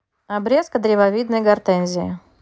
обрезка древовидной гортензии